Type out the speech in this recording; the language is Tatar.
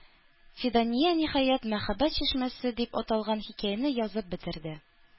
Фидания, ниһаять, "Мәхәббәт чишмәсе" дип аталган хикәяне язып бетерде.